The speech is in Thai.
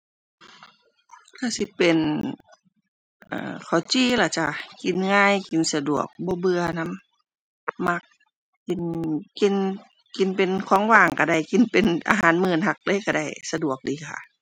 ก็สิเป็น เอ่อ ข้าวจี่ล่ะจ้ะ กินง่าย กินสะดวก บ่เบื่อนำ มัก กิน กิน กินเป็นของว่างก็ได้ กินเป็นอาหารมื้อหลักเลยก็ได้สะดวกดีค่ะ